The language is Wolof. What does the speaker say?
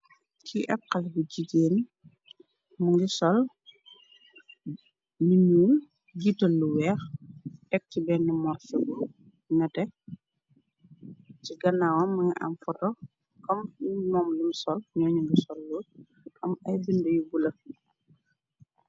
ci ak xal bu jigéen mu ngi sol niñuu jiital lu weex ak ci benn morfibu nete ci ganaawam mnga am foto kom moom lim sol ñoo ñu ngi solloo am ay bind yu bula